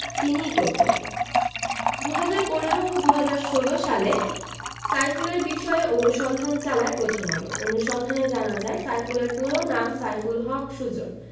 তিনিই করতেন ২০১৫ ও ২০১৬ সালে সাইফুলের বিষয়ে অনুসন্ধান চালায় প্রথম আলো অনুসন্ধানে জানা যায় সাইফুলের পুরো নাম সাইফুল হক সুজন